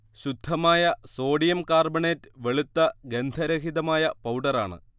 ശുദ്ധമായ sodium carbonate വെളുത്ത ഗന്ധരഹിതമായ പൗഡറാണ്